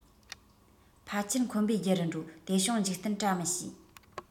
ཕལ ཆེར འཁོན པའི རྒྱུ རུ འགྲོ དེ བྱུང འཇིག རྟེན བཀྲ མི ཤིས